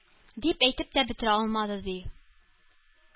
Дип әйтеп тә бетерә алмады, ди,